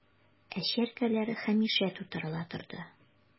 Ә чәркәләр һәмишә тутырыла торды...